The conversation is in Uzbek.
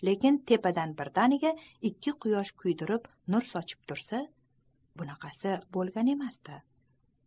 lekin tepadan birdaniga ikki quyosh kuydirib nur sochib tursa bunaqasi bo'lgan emas